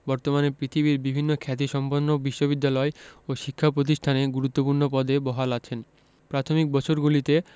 বর্তমানে পৃথিবীর বিভিন্ন খ্যাতিসম্পন্ন বিশ্ববিদ্যালয় ও শিক্ষা প্রতিষ্ঠানে গুরুত্বপূর্ণ পদে বহাল আছেন প্রাথমিক বছরগুলিতে